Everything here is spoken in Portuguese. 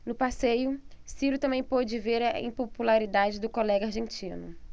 no passeio ciro também pôde ver a impopularidade do colega argentino